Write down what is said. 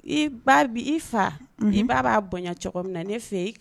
I ba i fa n baa b'a bonya cogo min na ne fɛ yen